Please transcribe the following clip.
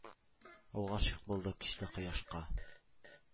Ул гашыйк булды көчле Кояшка.